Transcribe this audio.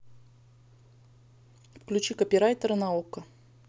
включи копирайтеры на окко